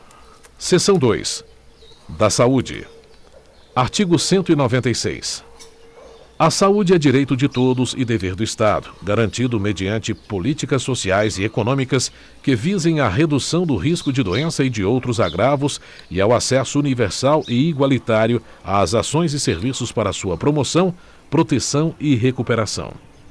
seção dois da saúde artigo cento e noventa e seis a saúde é direito de todos e dever do estado garantido mediante políticas sociais e econômicas que visem à redução do risco de doença e de outros agravos e ao acesso universal e igualitário às ações e serviços para sua promoção proteção e recuperação